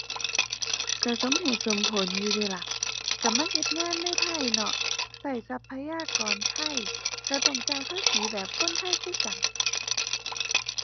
ก็สมเหตุสมผลอยู่เดะล่ะ ก็มาเฮ็ดงานในไทยเนาะก็ทรัพยากรไทยก็ต้องจ่ายภาษีแบบคนไทยคือกัน